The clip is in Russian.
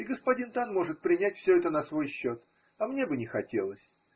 и господин Тан может принять все это на свой счет. а мне бы не хотелось.